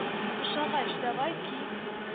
– ошагач, давай ки